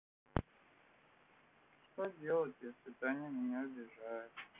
что делать если таня меня обижает